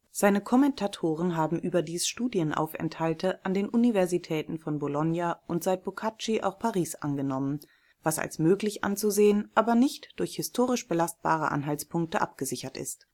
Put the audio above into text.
Seine Kommentatoren haben überdies Studienaufenthalte an den Universitäten von Bologna und (seit Boccaccio) Paris angenommen, was als möglich anzusehen, aber nicht durch historisch belastbare Anhaltspunkte abgesichert ist